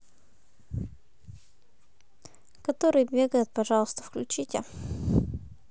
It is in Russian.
который бегает пожалуйста включите